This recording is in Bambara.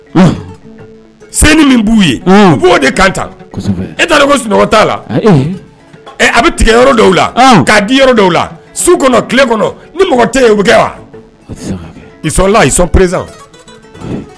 Sanini min b'u ye'o de kanto e taarari ko sunɔgɔ la a bɛ tigɛ yɔrɔ la' di la su kɔnɔ tile kɔnɔ ni mɔgɔ tɛ yen u kɛ wa i sɔnla i prez